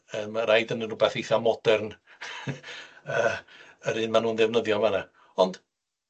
Yy ma' yn rwbath eitha modern yy yr un ma' nw'n ddefnyddio yn fan 'na, ond